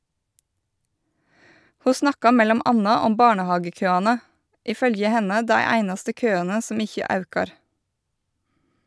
Ho snakka mellom anna om barnehagekøane, i følgje henne dei einaste køane som ikkje aukar.